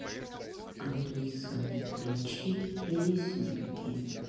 алиса включи песенки